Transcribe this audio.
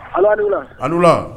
Aladu alidu